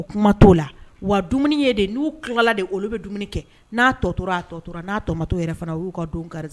Kuma la wa n'ula olu bɛ dumuni kɛ n'a tɔ a tɔ n'a tɔmatɔ yɛrɛ fana y'u ka